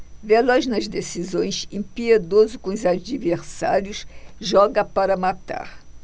veloz nas decisões impiedoso com os adversários joga para matar